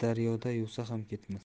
daryoda yuvsa ham ketmas